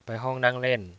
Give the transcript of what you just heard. ไปห้องนั่งเล่น